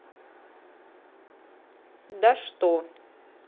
да что